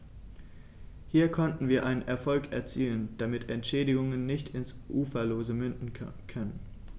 Hier konnten wir einen Erfolg erzielen, damit Entschädigungen nicht ins Uferlose münden können.